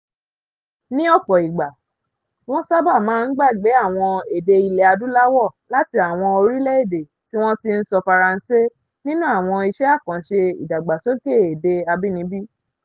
Ní ọ̀pọ̀ ìgbà, wọ́n sábà máa ń gbàgbé àwọn èdè ilẹ̀ Adúláwọ̀ láti àwọn orílẹ̀-èdè tí wọ́n ti ń sọ Faransé nínú àwọn iṣẹ́ àkànṣe ìdàgbàsókè èdè abínibí.